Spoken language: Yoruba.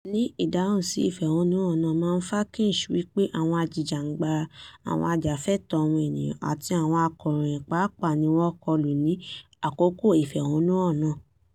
Ní ìdáhùn sí ìfẹ̀hónúhan náà, Mamfakinch wí pé àwọn ajìjàgbara, àwọn ajàfẹ́tọ̀ọ́ ọmọnìyàn àti àwọn akọ̀ròyìn pàápàá ni wọ́n kọlù ní àkókò ìfẹ̀hónúhàn náà.